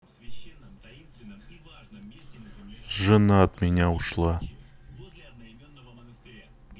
жена от меня ушла